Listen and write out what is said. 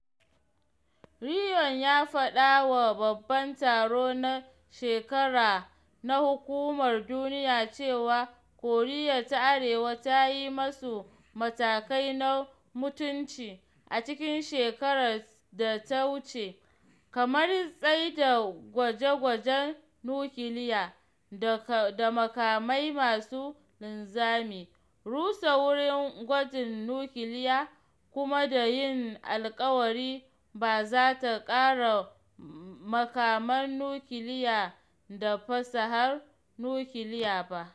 Ri Yong ya faɗa wa Babban Taro na shekara na na hukumar duniya cewa Koriya ta Arewa ta yi “masu matakai na mutunci” a cikin shekarar ta da wuce, kamar tsaida gwaje-gwajen nukiliya da makamai masu linzami, rusa wurin gwajin nukiliya, kuma da yin alkawari ba za ta ƙara makaman nukiliya da fasahar nukiliya ba.